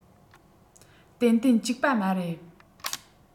ཏན ཏན གཅིག པ མ རེད